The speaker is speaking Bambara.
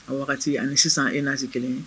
A waati wagati ani sisan e nasi kelen ye